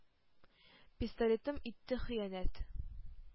Пистолетым итте хыянәт!